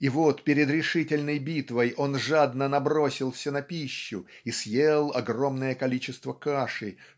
и вот перед решительной битвой он жадно набросился на пищу и съел огромное количество каши